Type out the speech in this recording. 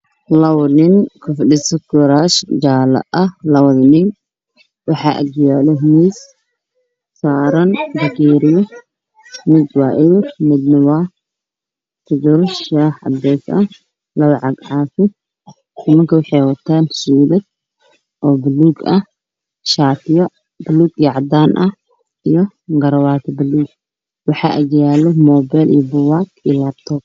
Waa labo nin ku fadhiso kuraas nimanka waxay wataan suudad buluug ah